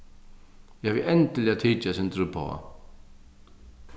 eg havi endiliga tikið eitt sindur uppá